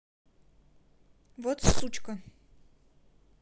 вот сучка